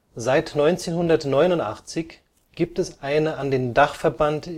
Seit 1989 gibt es eine an den Dachverband